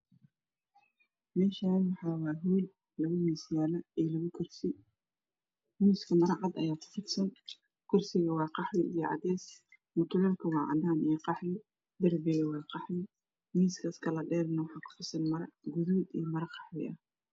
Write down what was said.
Meeshan waa guri labo miis yaalaan iyo labo kursi miiska mara cad ayaa ku fidsan kursiga waa qaxwi iyo cadees mutuleelka waa cadaan iyo qaxwi darbiga waa qaxwi miiskas kale dheerna waxaa ku fidsan maro cadees iyo qaxwi ah